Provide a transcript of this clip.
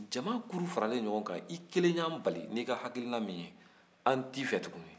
jamakuru faralen ɲɔgɔn kan i kelen y'an bali n'i ka hakilina min ye an t'i fɛ tuguni